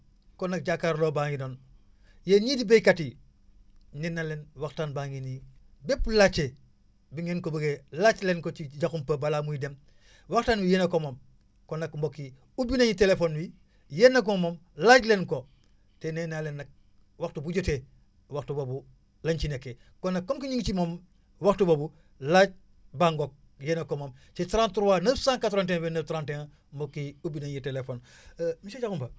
kon nag jàkkaarloo baa ngi noonu yéen ñii di baykat yi nee naa leen waxtaan baa ngi nii bépp laajte bi ngeen ko bëggee laajte leen ko ci Diakhoumpa balaa muy dem waxtaan wi yéen a ko moom kon nag mbokk yi ubbi nañu téléphone wi yéen a ko moom laaj leen ko te nee naa leen nag waxtu bu jotee waxtu boobu lañ ci nekkee kon nag comme que ñu ngi ci moom waxtu boobu laaj baa ngoog yéen a ko moom ci 33 981 29 31 mbokk yi ubbi nañu téléphone monsieur Diakhoumpa